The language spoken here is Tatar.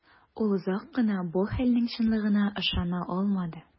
Ул озак кына бу хәлнең чынлыгына ышана алмады.